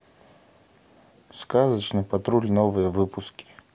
сказочный патруль новые выпуски